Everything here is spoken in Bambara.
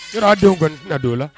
Yɔrɔ aw denw kɔni ti na don o la.